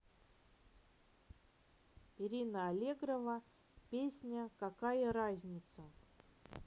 ирина аллегрова песня какая разница